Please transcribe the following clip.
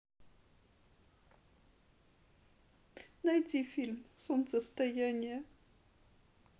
найди фильм солнцестояние